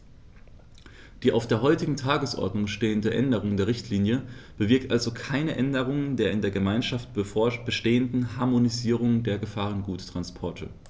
Die auf der heutigen Tagesordnung stehende Änderung der Richtlinie bewirkt also keine Änderung der in der Gemeinschaft bestehenden Harmonisierung der Gefahrguttransporte.